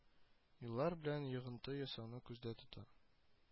Юллар белән йогынты ясауны күздә тота